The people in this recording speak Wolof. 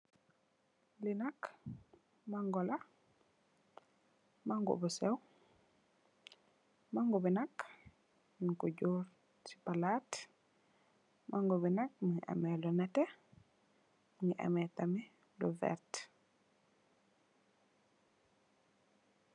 Li nak mango la, mango bu séw, mango bi nak ñing ko joor ci palat. Mango bi nak mugii ameh lu netteh mugii ameh tamit lu werta.